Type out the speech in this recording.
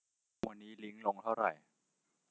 วันนี้ลิ้งลงเท่าไหร่